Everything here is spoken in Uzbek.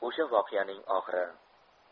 o'sha voqeaning oxiri